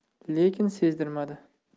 lekin sezdirmadi